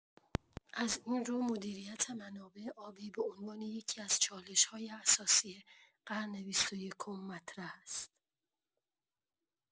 از این رو، مدیریت منابع آبی به‌عنوان یکی‌از چالش‌های اساسی قرن بیست‌ویکم مطرح است.